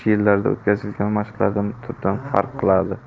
yillarida o'tkazilgan mashqlardan tubdan farq qiladi